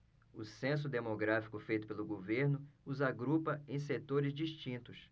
o censo demográfico feito pelo governo os agrupa em setores distintos